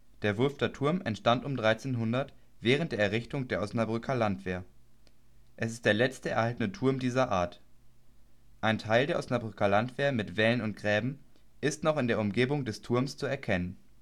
Der Wulfter Turm entstand um 1300 während der Errichtung der Osnabrücker Landwehr. Es ist der letzte erhaltene Turm dieser Art. Ein Teil der Osnabrücker Landwehr mit Wällen und Gräben ist noch in der Umgebung des Turms zu erkennen